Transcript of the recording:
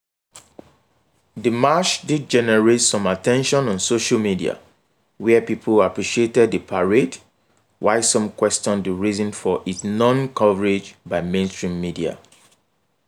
The march did generate some attention on social media where people appreciated the parade while some questioned the reason for its non-coverage by mainstream media.